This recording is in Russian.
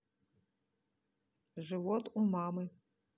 живот у мамы